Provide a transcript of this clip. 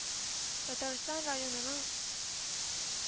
Татарстан районының